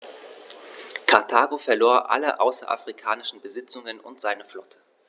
Karthago verlor alle außerafrikanischen Besitzungen und seine Flotte.